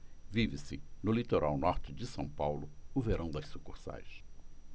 vive-se no litoral norte de são paulo o verão das sucursais